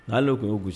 N'ale tun y'u gos